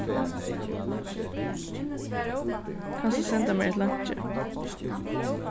kanst tú senda mær eitt leinki